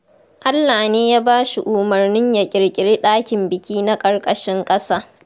Allah ne ya ba shi umarnin ya ƙirƙiri ɗakin biki na ƙarƙashin ƙasa.